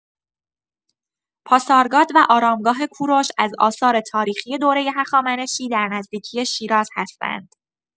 پاسارگاد و آرامگاه کوروش از آثار تاریخی دوره هخامنشی در نزدیکی شیراز هستند.